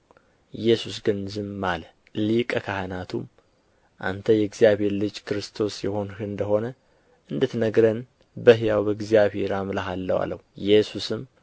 ኢየሱስ ግን ዝም አለ ሊቀ ካህናቱም አንተ የእግዚአብሔር ልጅ ክርስቶስ የሆንህ እንደ ሆነ እንድትነግረን በሕያው እግዚአብሔር አምልሃለሁ አለው ኢየሱስም